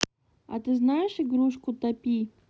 а ты знаешь игрушку топи